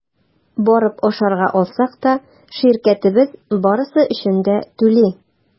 Барып ашарга алсак та – ширкәтебез барысы өчен дә түли.